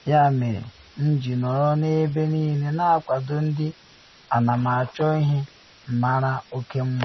“Ya mere m ji nọrọ n’ebe niile na akwado ndị anamachọihe mara oke mma.”